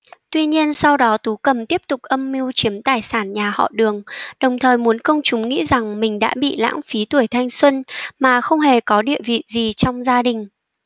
tuy nhiên sau đó tú cầm tiếp tục âm mưu chiếm tài sản nhà họ đường đồng thời muốn công chúng nghĩ rằng mình đã bị lãng phí tuổi thanh xuân mà không hề có địa vị gì trong gia đình